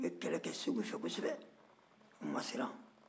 u ye kɛlɛ kɛ segu fɛ kosɛbɛ u ma siran